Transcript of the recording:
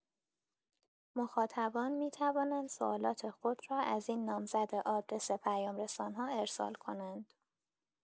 مخاطبان می‌توانند سوالات خود را از این نامزد آدرس پیام‌رسان‌ها ارسال کنند.